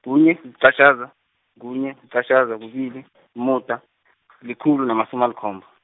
kunye, liqatjhaza, kunye, liqatjhaza, kubili, umuda, likhulu namasumi alikhomba.